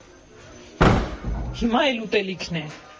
Հիմա էլ ուտելիքն է։